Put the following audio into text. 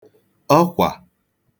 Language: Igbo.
ọkwà